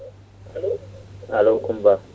allo Coum Ba